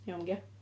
Iawn 'gia.